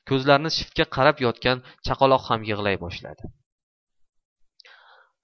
ko'zlarini shiftga qadab yotgan chaqaloq ham yig'lay boshladi